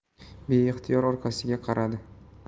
beixtiyor orqasiga qaradi